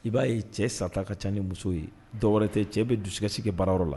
I b'a ye cɛ sata ka ca ni muso ye dɔw wɛrɛ tɛ cɛ bɛ dususɛgɛsigi kɛ baarayɔrɔ la